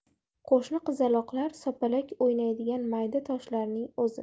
qo'shni qizaloqlar sopalak o'ynaydigan mayda toshlarning o'zi